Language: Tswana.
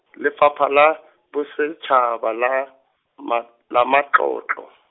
Lefapha la, Bosetshaba la, Ma-, la Matlotlo.